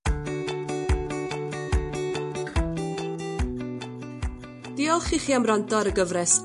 Diolch i chi am wrando ar y gyfres...